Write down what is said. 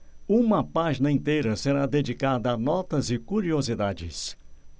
uma página inteira será dedicada a notas e curiosidades